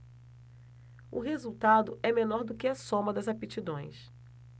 o resultado é menor do que a soma das aptidões